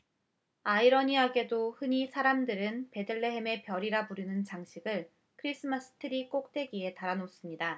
아이러니하게도 흔히 사람들은 베들레헴의 별이라 부르는 장식을 크리스마스트리 꼭대기에 달아 놓습니다